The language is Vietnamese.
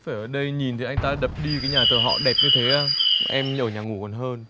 phải ở đây nhìn thấy anh ta đập đi cái nhà thờ họ đẹp như thế á bọn em ở nhà ngủ còn hơn